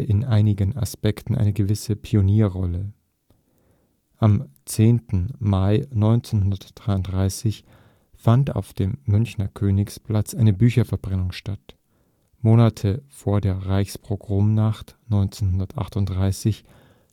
in einigen Aspekten eine gewisse Pionierrolle. Am 10. Mai 1933 fand auf dem Münchner Königsplatz eine Bücherverbrennung statt. Monate vor der Reichspogromnacht 1938